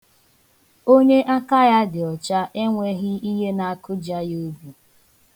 Onye aka ya dị ọcha enweghị ihe na-akụja ya obi.